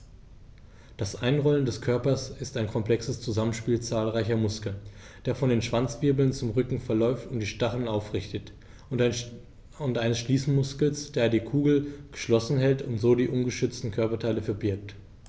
Das Einrollen des Körpers ist ein komplexes Zusammenspiel zahlreicher Muskeln, der von den Schwanzwirbeln zum Rücken verläuft und die Stacheln aufrichtet, und eines Schließmuskels, der die Kugel geschlossen hält und so die ungeschützten Körperteile verbirgt.